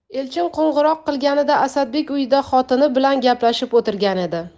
elchin qo'ng'iroq qilganida asadbek uyida xotini bilan gaplashib o'tirgan edi